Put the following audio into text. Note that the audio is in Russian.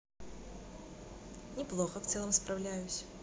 неплохо в целом справляюсь